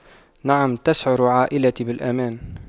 نعم تشعر عائلتي بالأمان